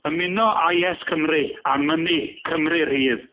Ymuno â Yes Cymru a mynnu Cymru Rydd.